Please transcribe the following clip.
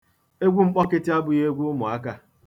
Egwu Mkpọkịtị abụghị egwu ụmụaka.